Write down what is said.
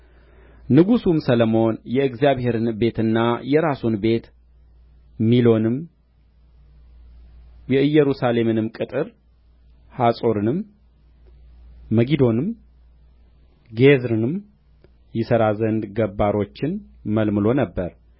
ንጉሡም ሰሎሞን የእግዚአብሔርን ቤትና የራሱን ቤት ሚሎንም የኢየሩሳሌምንም ቅጥር ሐጾርንም መጊዶንም ጌዝርንም ይሠራ ዘንድ ገባሮችን መልምሎ ነበር